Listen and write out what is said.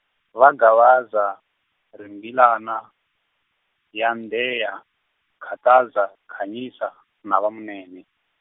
va Gavaza, Rimbilana, Yandheya, Khataza, Khanyisa na va Munene.